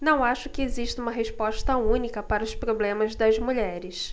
não acho que exista uma resposta única para os problemas das mulheres